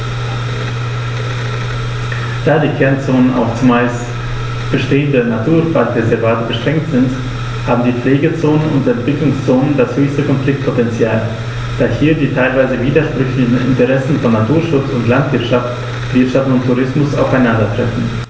Da die Kernzonen auf – zumeist bestehende – Naturwaldreservate beschränkt sind, haben die Pflegezonen und Entwicklungszonen das höchste Konfliktpotential, da hier die teilweise widersprüchlichen Interessen von Naturschutz und Landwirtschaft, Wirtschaft und Tourismus aufeinandertreffen.